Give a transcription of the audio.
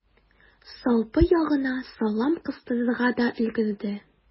Салпы ягына салам кыстырырга да өлгерде.